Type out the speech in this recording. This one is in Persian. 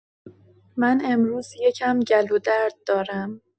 من امروز یکم گلودرد دارم.